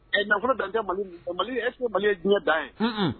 Ɛ nafolo dan mali mali e mali ye diɲɛ dan ye